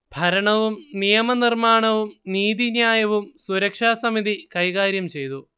ഭരണവും നിയമനിർമ്മാണവും നീതിന്യായവും സുരക്ഷാസമിതി കൈകാര്യം ചെയ്തു